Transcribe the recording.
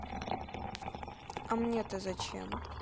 а мне то зачем